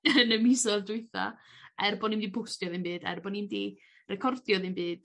Yn y misoedd dwytha er bo' ni'm 'di postio ddim byd er bo' ni'm 'di recordio ddim byd